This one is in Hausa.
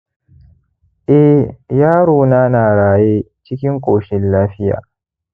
eh yarona na ra'ye cikin koshin lafiya.